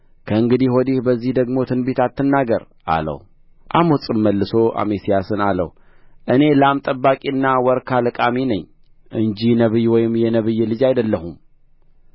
ከእንግዲህ ወዲህ በዚህ ደግሞ ትንቢት አትናገር አለው አሞጽም መልሶ አሜስያስን አለው እኔ ላም ጠባቂና ወርካ ለቃሚ ነኝ እንጂ ነቢይ ወይም የነቢይ ልጅ አይደለሁም